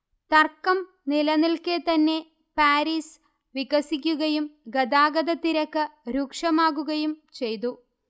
തർക്കം നിലനിൽക്കെത്തന്നെ പാരീസ് വികസിക്കുകയും ഗതാഗതത്തിരക്ക് രൂക്ഷമാവുകയും ചെയ്തു